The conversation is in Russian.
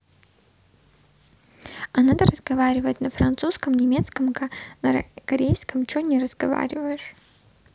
а надо разговаривать на французском немецком ка на корейском че не разговариваешь